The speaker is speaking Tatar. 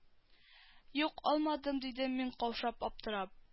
Юк алмадым дидем мин каушап аптырап